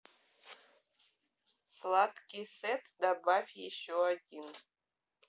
сладкий сет добавь еще один